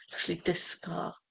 Acshyli disgo.